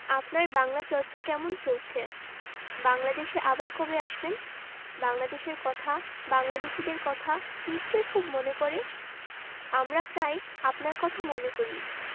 আপনার বাংলা চর্চা কেমন চলছে বাংলাদেশে আবার কবে আসবেন বাংলাদেশের কথা বাংলাদেশীদের কথা নিশ্চয় খুব মনে পরে আমরা প্রায়ই আপনার কথা মনে করি